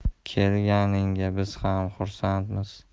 kelganingga biz ham xursandmiz